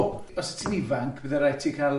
O, os o' ti'n ifanc, byddai rhaid ti cael...